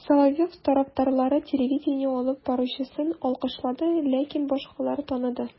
Соловьев тарафдарлары телевидение алып баручысын алкышлады, ләкин башкалар таныды: